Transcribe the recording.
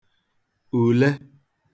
ùle